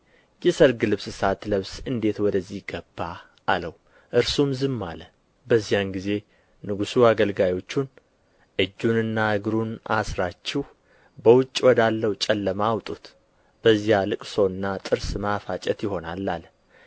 የሰርግ ልብስ ሳትለብስ እንዴት ወደዚህ ገባህ አለው እርሱም ዝም አለ በዚያን ጊዜ ንጉሡ አገልጋዮቹን እጁንና እግሩን አስራችሁ በውጭ ወዳለው ጨለማ አውጡት በዚያ ልቅሶና ጥርስ ማፋጨት ይሆናል አለ